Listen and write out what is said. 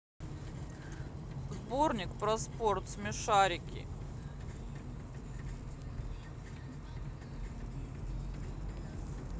сборник про спорт смешарики